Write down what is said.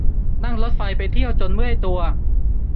นั่งรถไฟไปเที่ยวจนเมื่อยตัว